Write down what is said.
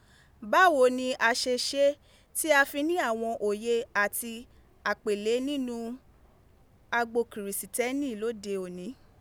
Ba wo ni a se se, ti a fi ni awon oye ati apele ninu agbo Kirisiteni lode oni?